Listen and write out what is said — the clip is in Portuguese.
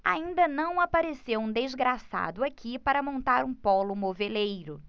ainda não apareceu um desgraçado aqui para montar um pólo moveleiro